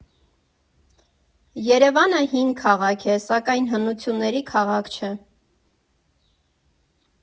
Երևանը հին քաղաք է, սակայն հնությունների քաղաք չէ։